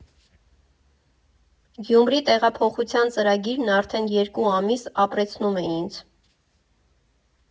Գյումրի տեղափոխության ծրագիրն արդեն երկու ամիս ապրեցնում է ինձ։